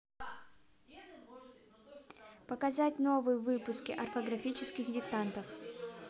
показать новые выпуски орфографических диктантов